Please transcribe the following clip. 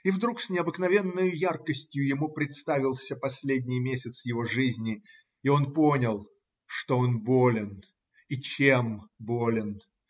И вдруг с необыкновенною яркостью ему представился последний месяц его жизни, и он понял, что он болен и чем болен.